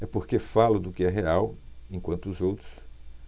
é porque falo do que é real enquanto os outros